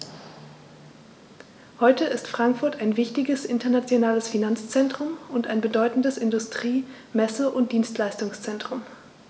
Heute ist Frankfurt ein wichtiges, internationales Finanzzentrum und ein bedeutendes Industrie-, Messe- und Dienstleistungszentrum.